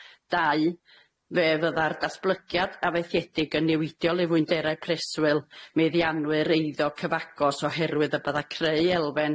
Dau, fe fydda'r datblygiad afaethiedig yn niweidiol i fwynderau preswyl meddianwyr eiddo cyfagos oherwydd y bydda' creu elfen